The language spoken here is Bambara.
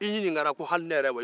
i ɲinikara ko hali ne yɛrɛ wa